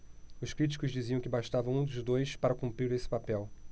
os críticos diziam que bastava um dos dois para cumprir esse papel